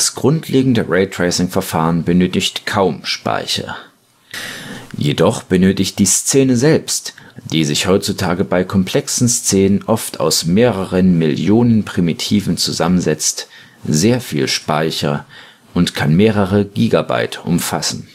grundlegende Raytracing-Verfahren benötigt kaum Speicher. Jedoch belegt die Szene selbst, die sich heutzutage bei komplexen Szenen oft aus mehreren Millionen Primitiven zusammensetzt, sehr viel Speicher und kann mehrere Gigabyte umfassen